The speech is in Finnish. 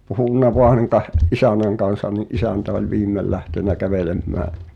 puhunut vain isännän kanssa niin isäntä oli viimein lähtenyt kävelemään